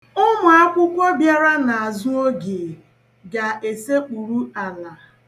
Ụmụakwụkwọ bịara n'azụ oge ga-esekpuru ala.